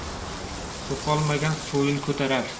so'qolmagan so'yil ko'tarar